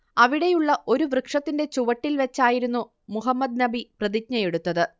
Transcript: അവിടെയുള്ള ഒരു വൃക്ഷത്തിന്റെ ചുവട്ടിൽ വെച്ചായിരുന്നു മുഹമ്മദ് നബി പ്രതിജ്ഞയെടുത്തത്